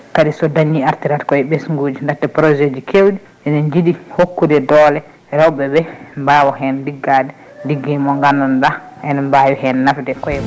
kadi so dañi artirata koye ɓesguji dakhte projet ji kewɗi ene jiiɗi hokkude doole rewɓe mbawa hen liggade ligguey mo ganduɗa ene mbawi hen nafde koye